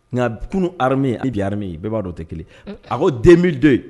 Nka a kun hami ye i bi ha min ye i b'a dɔn tɛ kelen a ko den bɛ don yen